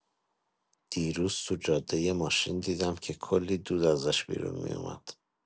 دیروز توی جاده، یه ماشین دیدم که کلی دود ازش بیرون می‌اومد.